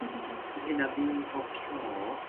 hyn a ddin pob tro